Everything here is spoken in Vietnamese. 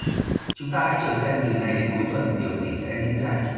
chúng ta hãy chờ xem từ nay đến cuối tuần điều gì sẽ diễn ra